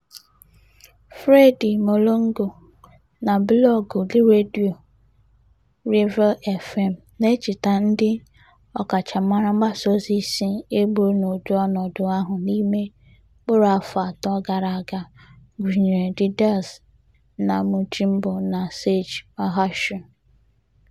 Freddy Mulongo [Fr] na blọọgụ Radio Revéil FM, na-echeta ndị ọkachamara mgbasaozi isii e gburu n'ụdị ọnọdụ ahụ n'ime mkpụrụ afọ atọ gara aga, gụnyere Didace Namujimbo na Serge Maheshe.